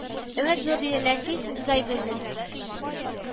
Өмет зур , диде нәфис зәйдуллин